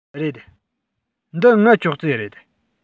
རེད འདི ངའི ཅོག ཙེ རེད